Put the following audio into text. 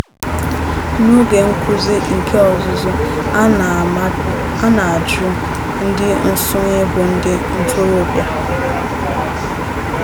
N'oge nkuzi nke ọzụzụ, a na-ajụ ndị nsonye bụ ndị ntorobia: